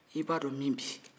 i b'a dɔn min bɛ yen